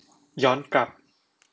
ย้อนกลับ